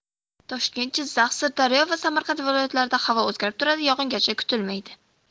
toshkent jizzax sirdaryo va samarqand viloyatlarida havo o'zgarib turadi yog'ingarchilik kutilmaydi